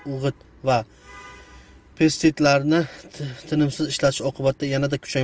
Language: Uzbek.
o'g'it va pestitsidlarni tinimsiz ishlatish oqibatida yanada kuchaymoqda